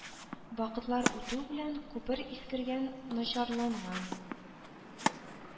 Вакытлар үтү белән, күпер искергән, начарланган